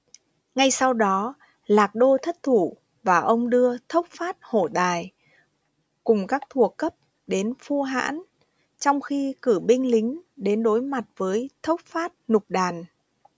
ngay sau đó lạc đô thất thủ và ông đưa thốc phát hổ đài cùng các thuộc cấp đến phu hãn trong khi cử binh lính đến đối mặt với thốc phát nục đàn